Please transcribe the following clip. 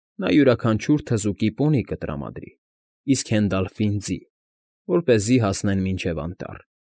Նա յուրաքանչյուր թզուկի պոնի կտարամադրի, իսկ Հենդալֆին՝ ձի, որպեսզի հասնեն մինչև անտառ։